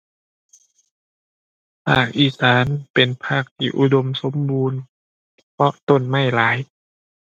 ภาคอีสานเป็นภาคที่อุดมสมบูรณ์ เพราะต้นไม้หลาย